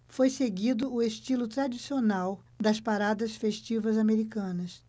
foi seguido o estilo tradicional das paradas festivas americanas